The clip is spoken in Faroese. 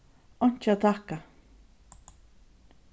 einki at takka